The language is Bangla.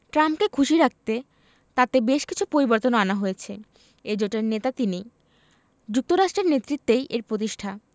ট্রাম্পকে খুশি রাখতে তাতে বেশ কিছু পরিবর্তনও আনা হয়েছে এই জোটের নেতা তিনি যুক্তরাষ্ট্রের নেতৃত্বেই এর প্রতিষ্ঠা